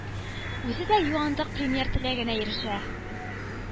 Үзе дә юантык премьер теләгенә ирешә